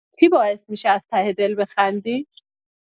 چی باعث می‌شه از ته دل بخندی؟